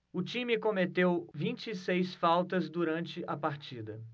o time cometeu vinte e seis faltas durante a partida